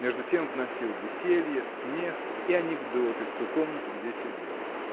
между тем вносил веселье, смех и анекдоты в ту комнату, где сидел.